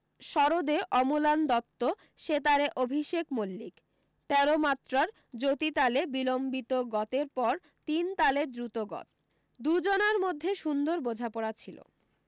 সরোদে অমলান দত্ত সেতারে অভিষেক মল্লিক তেরো মাত্রার জ্যোতি তালে বিলম্বিত গতের পর তিন তালে দ্রুত গত দু জনার মধ্যে সুন্দর বোঝাপড়া ছিল